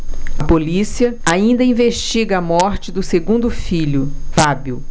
a polícia ainda investiga a morte do segundo filho fábio